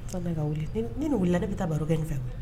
Sabula ka wuli ni ni wili ne bɛ taa baro kɛ in fɛ